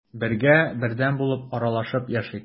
Бергә, бердәм булып аралашып яшик.